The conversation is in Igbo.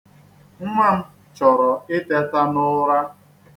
Nnwa m chọrọ ịteta n'ụra.